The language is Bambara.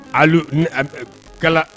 Alu ni a kala